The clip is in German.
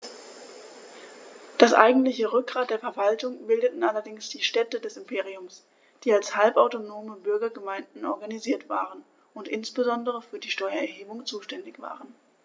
Das eigentliche Rückgrat der Verwaltung bildeten allerdings die Städte des Imperiums, die als halbautonome Bürgergemeinden organisiert waren und insbesondere für die Steuererhebung zuständig waren.